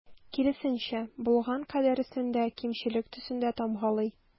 Киресенчә, булган кадәресен дә кимчелек төсендә тамгалый.